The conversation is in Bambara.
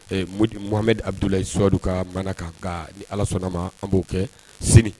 Ɛ Mohamadu Abudulayi Sowadu ka maana kan ka ni Ala sɔnna a ma an b'o kɛ sini